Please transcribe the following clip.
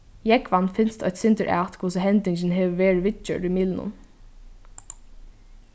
jógvan finst eitt sindur at hvussu hendingin hevur verið viðgjørd í miðlunum